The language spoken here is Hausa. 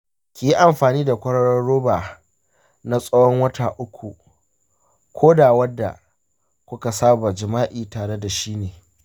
kiyi amfani kwararon roba na tsawon wata uku koda wadda kuka saba jima'i tare dashi ne.